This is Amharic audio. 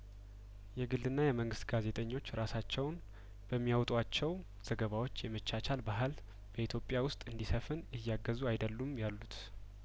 የግልና የመንግስት ጋዜጠኞች ራሳቸውን በሚያወጡአቸው ዘገባዎች የመቻቻል ባህል በኢትዮጵያ ውስጥ እንዲሰፍን እያገዙ አይደሉም ያሉት